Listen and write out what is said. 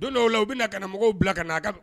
Don dɔw o la u bɛna na ka mɔgɔw bila ka na' ka